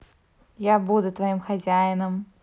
я буду твоим хозяином